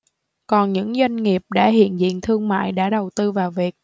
còn những doanh nghiệp đã hiện diện thương mại đã đầu tư vào việt